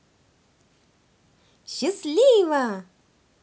счастливо